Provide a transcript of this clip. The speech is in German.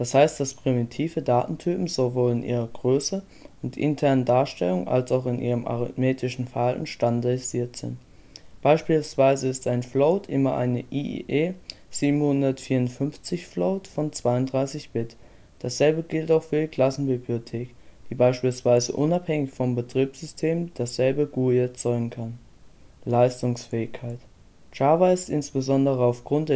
heißt, dass primitive Datentypen sowohl in ihrer Größe und internen Darstellung als auch in ihrem arithmetischen Verhalten standardisiert sind. Beispielsweise ist ein float immer ein IEEE 754 Float von 32 Bit. Dasselbe gilt auch für die Klassenbibliothek, die beispielsweise unabhängig vom Betriebssystem dasselbe GUI erzeugen kann. Leistungsfähigkeit Java ist insbesondere auf Grund